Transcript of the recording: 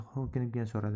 hurkibgina so'radi